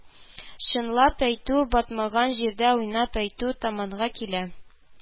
* чынлап әйтү батмаган җирдә уйнап әйтү таманга килә